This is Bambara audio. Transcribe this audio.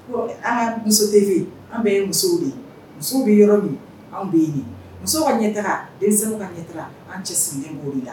Aa muso an bɛ muso de ye musow bɛ yɔrɔ min anw bɛ yen muso ka ɲɛ den ka ɲɛ an cɛ senden woro la